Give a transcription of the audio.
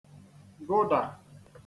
gụdà